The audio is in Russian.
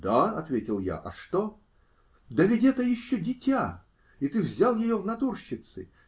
-- Да, -- ответил я, -- а что? -- Да ведь это еще дитя! И ты взял ее в натурщицы?